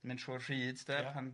yn mynd trwy'r rhyd 'de... Ia...